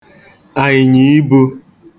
̀àị̀nyà ibū